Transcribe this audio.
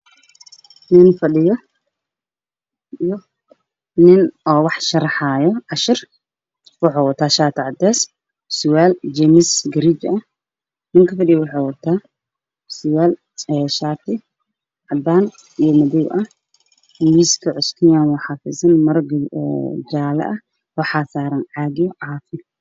Meeshaan waxaa ka muuqdo nin fadhiyo iyo nin wax sharaxaayo